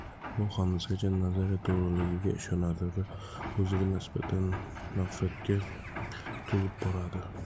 u hanuzgacha nazariya to'g'riligiga ishonadi va o'ziga nisbatan nafratga to'lib boradi